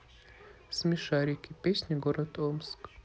смешарики песня город омск